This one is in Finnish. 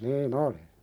niin oli